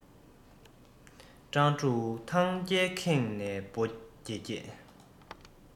སྤྲང ཕྲུག ཐང རྒྱལ ཁེངས ནས སྦོ འགྱེད འགྱེད